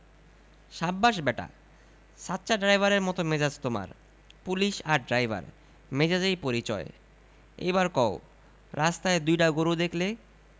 সাব্বাস ব্যাটা সাচ্চা ড্রাইভারের মত মেজাজ তোমার পুলিশ আর ড্রাইভার মেজাজেই পরিচয় এইবার কও রাস্তায় দুইটা গরু দেখলে